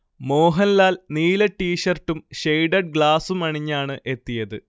മോഹൻലാൽ നീല ടീഷർട്ടും ഷെയ്ഡഡ് ഗ്ലാസുമണിഞ്ഞാണ് എത്തിയത്